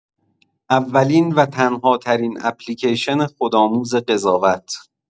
اولین و تنهاترین اپیلکشن خودآموز قضاوت